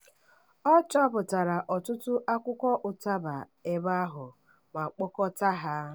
Ọ chọpụtara ọtụtụ akwụkwọ ụtaba ebe ahụ ma kpokọta ha.